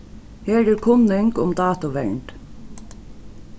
her er kunning um dátuvernd